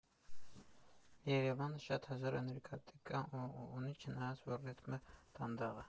Երևանը շատ հզոր էներգետիկա ունի, չնայած որ ռիթմը դանդաղ է։